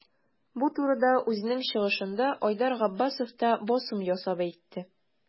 Бу турыда үзенең чыгышында Айдар Габбасов та басым ясап әйтте.